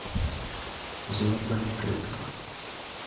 золотая клетка